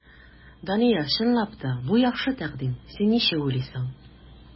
Дания, чынлап та, бу яхшы тәкъдим, син ничек уйлыйсың?